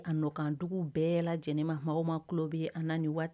A nɔkan dugu bɛɛ llajɛlen , ma o ma tulo bɛ an na ni waati.